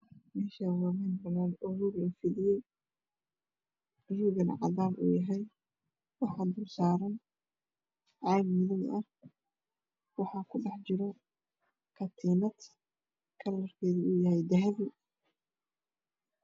Meshan waa mel banan ah oo roog lafidiyay wana cadan waxa dulsaran cag madow ah waaxa kudhex jiro katinad oo oo dahbi ah